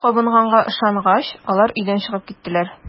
Ут кабынганга ышангач, алар өйдән чыгып киттеләр.